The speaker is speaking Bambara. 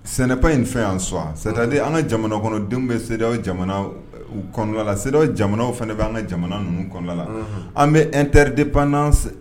Ce n'est pas une fin en soi, c'est à dire an ka jamana kɔnɔdenw bɛ CEDEAO jamanaw kɔnɔ na, CEDEAO jamanaw fana b'an ka jamana ninnu kɔnɔna na, unhun,.an bɛ interdépendance